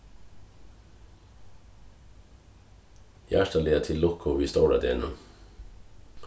hjartaliga til lukku við stóra degnum